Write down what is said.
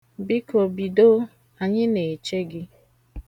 Biko, bidoo! Anyị na-eche gị.